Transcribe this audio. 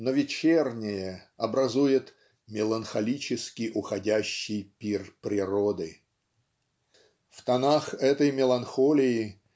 но вечернее образует "меланхолически уходящий пир природы". В тонах этой меланхолии